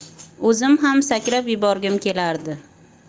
o'zim ham sakrab yuborgim kelardi